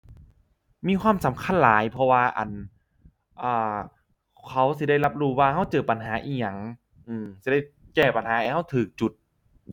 มีความสำคัญหลาย เพราะว่า อั่น อ่า เขาสิได้รับรู้ว่าเราเจอปัญหาอิหยัง อื้อ สิได้แก้ปัญหาให้เราเราจุด